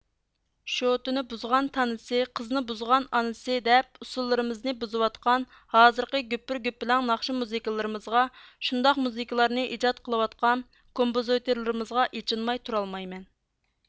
شوتىنى بۇزغان تانىسى قىزنى بۇزغان ئانىسى دەپ ئۇسسۇللىرىمىزنى بۇزۇۋاتقان ھازىرقى گۈپۈر گۈپۈرلەڭ ناخشا مۇزىكىلىرىمىزغا شۇنداق مۇزىكىلارنى ئىجاد قىلىۋاتقان كومپىزوتۇرلىرىمىزغا ئېچىنماي تۇرالمايمەن